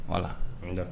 Wala n